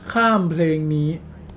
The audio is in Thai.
ข้ามเพลงนี้